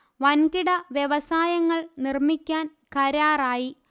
വന്കിട വ്യവസായങ്ങൾ നിർമിക്കാൻകരാറായി